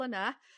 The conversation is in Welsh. yna